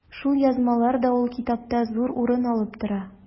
Шул язмалар да ул китапта зур урын алып тора.